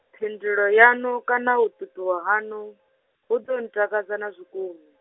phindulo ya nu kana u tutuwa haṋu, hu ḓo ntakadza na zwikunwe.